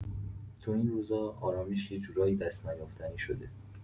توی این روزا، آرامش یه جورایی دست‌نیافتنی شده.